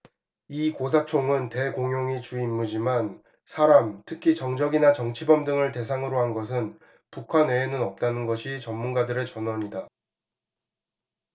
이 고사총은 대공용이 주임무지만 사람 특히 정적이나 정치범 등을 대상으로 한 것은 북한 외에는 없다는 것이 전문가들의 전언이다